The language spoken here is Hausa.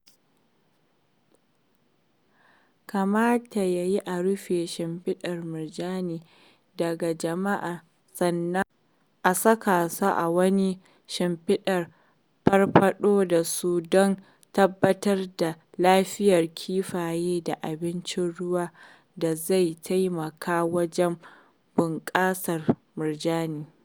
Kamata yayi a rufe shimfiɗar murjanin daga jama'a sannan a saka su a wani shirin farfaɗo da su don tabbatar da lafiyar kifaye da amincin ruwa da zai taimaka wajen bunƙasar murjani.